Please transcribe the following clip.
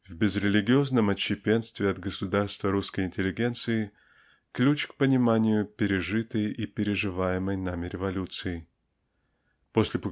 В безрелигиозном отщепенстве от государства русской интеллигенции -- ключ к пониманию пережитой и переживаемой нами революции. После